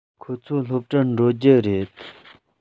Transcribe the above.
ཁོ ཚོ སློབ གྲྭར འགྲོ རྒྱུ རེད